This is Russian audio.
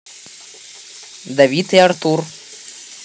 давид и артур